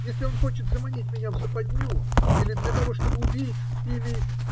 Если он хочет заманить меня в западню, то или для того, чтобы убить, или.